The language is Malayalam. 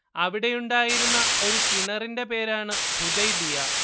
അവിടെയുണ്ടായിരുന്ന ഒരു കിണറിന്റെ പേരാണ് ഹുദൈബിയ